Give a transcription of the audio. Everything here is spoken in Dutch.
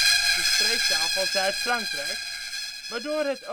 streektaal van Zuid-Frankrijk, waardoor het